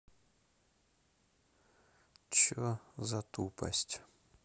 че за тупость